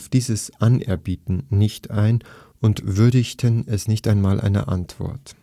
dieses Anerbieten nicht ein und würdigten es nicht einmal einer Antwort